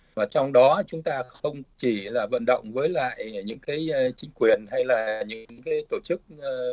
và trong đó chúng ta không chỉ là vận động với lại những cái chính quyền hay là những cái tổ chức